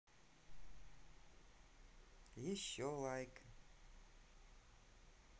еще like